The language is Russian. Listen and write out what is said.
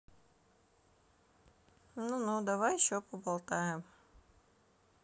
ну ну давай еще поболтаем